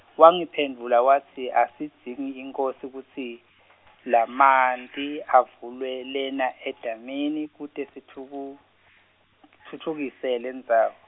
wangiphendvula watsi asidzingi inkhosi kutsi, lamanti, avulwe lena edamini kute sitfuku, sitfutfukise lendzawo.